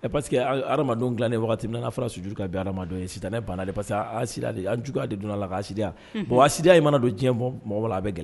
Ɛ parce que hadamadenw dilanai wagati min n'a fɔra sujuru ka bin Adama ye dɔ sitanɛ banna de parce que asidiya, an juguya de donn'a la a ka asidiya bon asidiya in mana don diɲɛ mɔgɔ o mɔgɔ a bɛ gɛlɛya